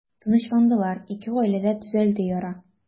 Тынычландылар, ике гаиләдә төзәлде яра.